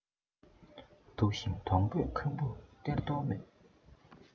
དུག ཤིང སྡོང པོས ཁམ བུ སྟེར མདོག མེད